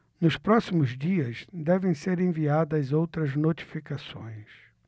nos próximos dias devem ser enviadas as outras notificações